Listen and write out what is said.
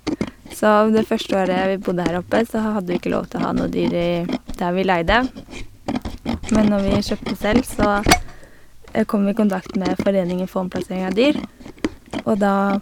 Så v det første året vi bodde her oppe så hadde vi ikke lov til å ha noe dyr i der vi leide Men når vi kjøpte selv, så kom vi i kontakt med Foreningen for omplassering av dyr, Og da...